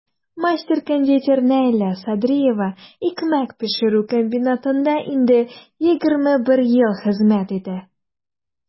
Мастер-кондитер Наилә Садриева икмәк пешерү комбинатында инде 21 ел хезмәт итә.